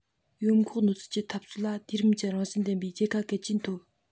ཡོམ འགོག གནོད སེལ གྱི འཐབ རྩོད ལ དུས རིམ གྱི རང བཞིན ལྡན པའི རྒྱལ ཁ གལ ཆེན ཐོབ